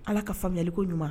Ala ka faamuyayalikoɲuman